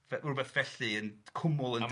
f- rywbeth felly yn cwmwl yn disgyn.